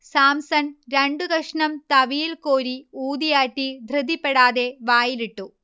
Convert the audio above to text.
സാംസൺ രണ്ടു കഷണം തവിയിൽ കോരി ഊതിയാറ്റി ധൃതിപ്പെടാതെ വായിലിട്ടു